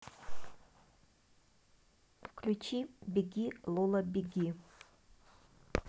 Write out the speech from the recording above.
включи беги лола беги